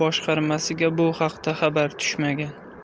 boshqarmasiga bu haqda xabar tushmagan